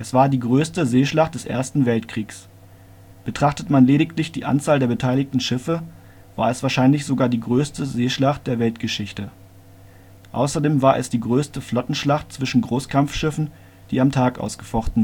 war die größte Seeschlacht des Ersten Weltkriegs. Betrachtet man lediglich die Anzahl der beteiligten Schiffe, war es wahrscheinlich sogar die größte Seeschlacht der Weltgeschichte. Außerdem war es die größte Flottenschlacht zwischen Großkampfschiffen, die am Tag ausgefochten wurde